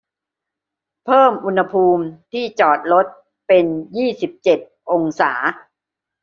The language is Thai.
เพิ่มอุณหภูมิที่จอดรถเป็นยี่สิบเจ็ดองศา